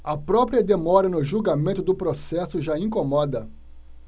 a própria demora no julgamento do processo já incomoda